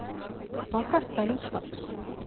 пока столица